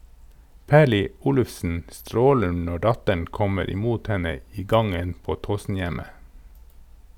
Perly Olufsen stråler når datteren kommer imot henne i gangen på Tåsenhjemmet.